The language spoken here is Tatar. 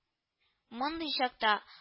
Мондый чакта